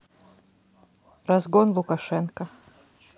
разгон лукашенко